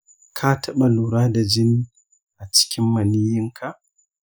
ka taɓa lura da jini a cikin maniyyinka?